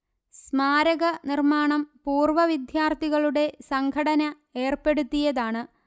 സ്മാരക നിർമാണം പൂർവവിദ്യാർഥികളുടെ സംഘടന ഏർപ്പെടുത്തിയതാണ്